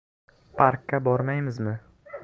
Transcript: parkka bormaymizmi